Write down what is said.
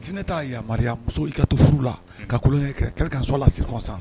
Dinɛ t' yaruya muso i ka to furu la ka kolonkɛ kɛre kaso la sirikɔsan